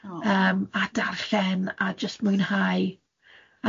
Oh. Yym a darllen a jyst mwynhau.